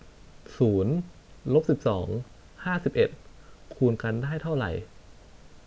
ศูนย์ลบสิบสองห้าสิบเอ็ดคูณกันได้เท่าไหร่